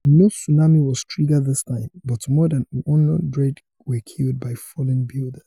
No tsunami was triggered this time, but more than 100 were killed by fallen buildings.